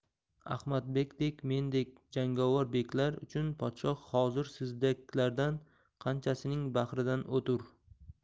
ahmadbekdek mendek jangovar beklar uchun podshoh hozir sizdeklardan qanchasining bahridan o'tur